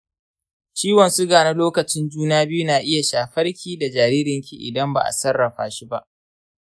ciwon suga na lokacin juna biyu na iya shafar ki da jaririn ki idan ba a sarrafa shi ba.